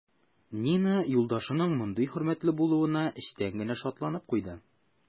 Нина юлдашының мондый хөрмәтле булуына эчтән генә шатланып куйды.